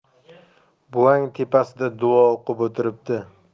buvang tepasida duo o'qib o'tiribdi